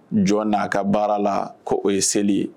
Jɔn' a ka baara la ko o ye seli ye